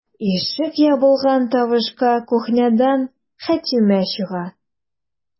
Ишек ябылган тавышка кухнядан Хәтимә чыга.